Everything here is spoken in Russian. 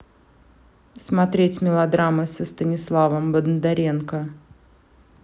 смотреть мелодрамы со станиславом бондаренко